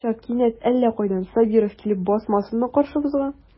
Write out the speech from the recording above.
Шулчак кинәт әллә кайдан Сабиров килеп басмасынмы каршыбызга.